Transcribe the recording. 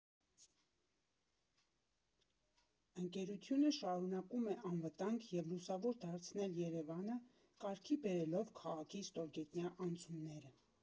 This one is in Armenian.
Ընկերությունը շարունակում է անվտանգ և լուսավոր դարձնել Երևանը՝ կարգի բերելով քաղաքի ստորգետնյա անցումները։